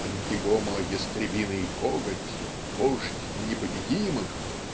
Монтигомо Ястребиный Коготь, вождь непобедимых